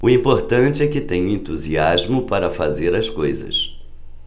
o importante é que tenho entusiasmo para fazer as coisas